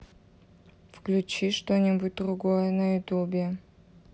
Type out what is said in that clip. включи что нибудь другое на ютубе